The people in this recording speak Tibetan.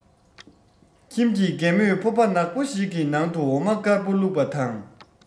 ཁྱིམ གྱི རྒན མོས ཕོར པ ནག པོ ཞིག གི ནང དུ འོ མ དཀར པོ བླུགས པ དང